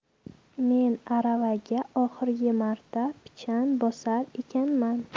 men aravaga oxirgi marta pichan bosar ekanman